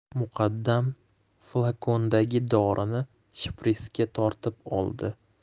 muqaddam flakondagi dorini shprisga tortib oldi